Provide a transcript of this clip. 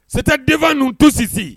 C'était devant nous tous ici